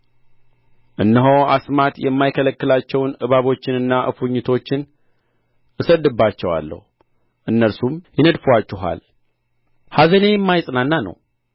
እነሆ አስማት የማይከለክላቸውን እባቦችንና እፉኝቶችን እሰድድባችኋለሁ እነርሱም ይነድፉአችኋል ኅዘኔ የማይጽናና ነው